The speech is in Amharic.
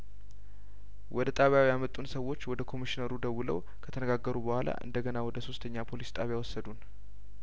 ወደ ጣቢያው ያመጡን ሰዎች ወደ ኮሚሽነሩ ደውለው ከተነጋገሩ በኋላ እንደገና ወደ ሶስተኛ ፖሊስ ጣቢያወሰዱን